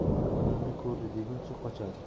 odamni ko'rdi deguncha qochadi